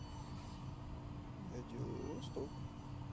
я делаю восток